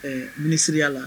Ɛɛ minisiriya la